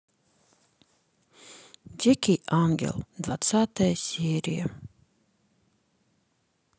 дикий ангел двадцатая серия